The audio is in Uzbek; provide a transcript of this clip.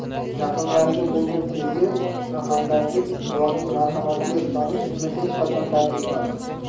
yaqinlariga bo'lgan sevgi va hamdardlik xudoning marhamatiga ishonish uni hech qachon tark etmadi